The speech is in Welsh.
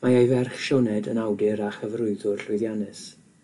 Mae ei ferch, Sioned, yn awdur a chyfarwyddwr llwyddiannus.